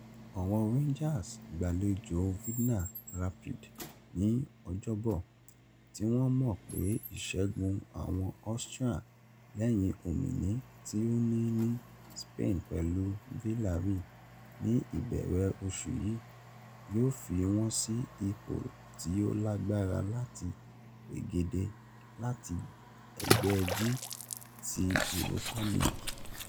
Àwọn Rangers gbàlejò Vidna Rapid ni Ọjọ́bọ̀, tí wọ́n mọ̀ pé ìṣẹ́gun àwọn Austrian, lẹ́hìn ọ̀mìnì tí ó ní ní Spain pẹ̀lú Villarreal ní ìbẹ̀ẹ̀rẹ̀ oṣù yí, yóò fi wọ́n sí ipò tí ó lágbára láti pegedé láti Ẹgbẹ́ G ti Ùrópà Lììgì